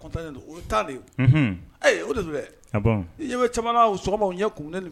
W ɲɛ ye